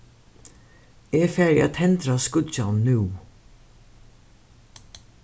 eg fari at tendra skíggjan nú